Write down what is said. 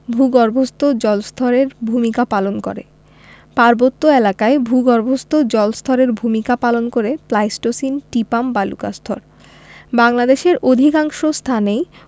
ভূগর্ভস্থ জলস্তরের ভূমিকা পালন করে পার্বত্য এলাকায় ভূগর্ভস্থ জলস্তরের ভূমিকা পালন করে প্লাইসটোসিন টিপাম বালুকাস্তর বাংলাদেশের অধিকাংশ স্থানেই